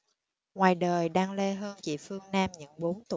ngoài đời đan lê hơn chị phương nam những bốn tuổi